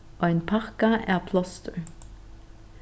ein pakka av plástur